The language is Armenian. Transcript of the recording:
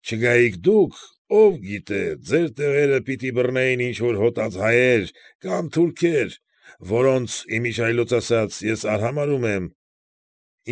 Չգայիք դուք, ով գիտե ձեր տեղերը պիտի բռնեին ինչ֊որ հոտած հայեր կամ թուրքեր, որոնց, իմիջիայլոց ասած, ես արհամարհում եմ։